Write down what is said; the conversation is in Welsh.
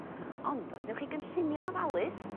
ond os newch chi gynllunio'n ofalus